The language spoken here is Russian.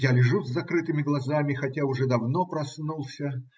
Я лежу с закрытыми глазами, хотя уже давно проснулся.